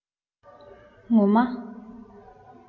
ངོ མ